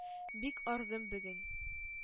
“бик арыдым бүген.